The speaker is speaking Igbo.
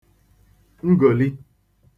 ngòli